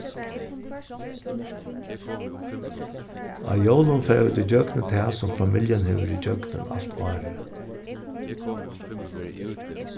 á jólum fara vit ígjøgnum tað sum familjan hevur verið ígjøgnum alt árið